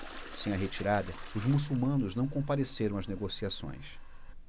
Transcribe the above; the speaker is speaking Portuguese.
sem a retirada os muçulmanos não compareceram às negociações